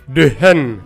Don hme